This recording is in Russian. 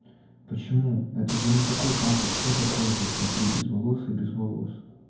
почему это же не такой папа кто такой же смотри безволосые без волос